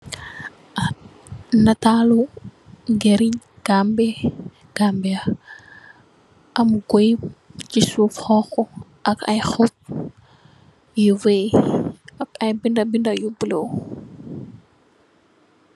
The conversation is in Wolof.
Arr neetali gerin Gambie Gambia am kooi si suuf xonxu ay hoop yu raay ak ay binda binda yu bulo.